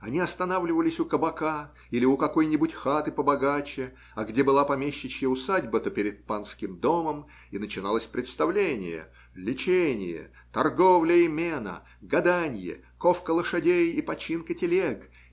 Они останавливались у кабака или у какой-нибудь хаты побогаче, а где была помещичья усадьба, то перед панским домом, и начиналось представление, леченье, торговля и мена, гаданье, ковка лошадей и починка телег